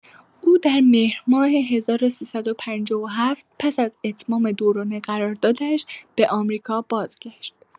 او در مهرماه ۱۳۵۷ پس از اتمام دوران قراردادش، به آمریکا بازگشت.